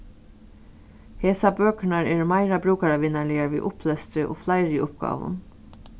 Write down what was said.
hesar bøkurnar eru meiri brúkaravinarligar við upplestri og fleiri uppgávum